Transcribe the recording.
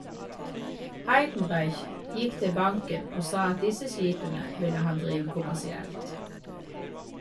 Heidenreich gikk til banken og sa at disse skipene ville han drive kommersielt.